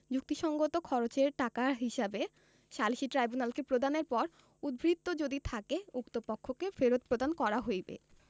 যুক্তিসংগত খরচের টাকা হিসাবে সালিসী ট্রাইব্যুনালকে প্রদানের পর উদ্বৃত্ত যদি থাকে উক্ত পক্ষকে ফেরত প্রদান করা হইবে